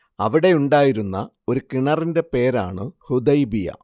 അവിടെയുണ്ടായിരുന്ന ഒരു കിണറിന്റെ പേരാണ് ഹുദൈബിയ